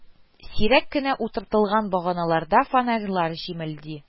Сирәк кенә утыртылган баганаларда фонарьлар җемелди